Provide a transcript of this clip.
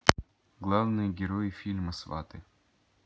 главные герои фильма сваты